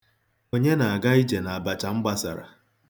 Onye na-aga ije n'abacha m gbasara?